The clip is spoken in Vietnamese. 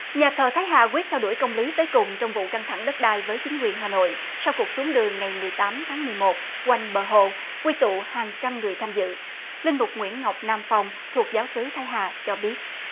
nhà thờ thái hà quyết theo đuổi công lý tới cùng trong vụ căng thẳng đất đai với chính quyền hà nội sau cuộc xuống đường ngày mười tám tháng mười một quanh bờ hồ quy tụ hàng trăm người tham dự linh mục nguyễn ngọc nam phong thuộc giáo xứ thái hà cho biết